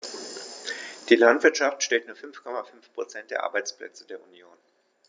Die Landwirtschaft stellt nur 5,5 % der Arbeitsplätze der Union.